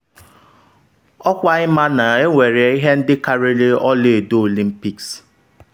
“Ọ kwa ịma, na-enwere ihe ndị karịrị ọla edo Olympics.